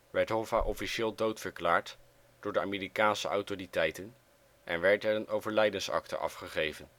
werd Hoffa officieel dood verklaard door de Amerikaanse autoriteiten en werd er een overlijdensakte afgegeven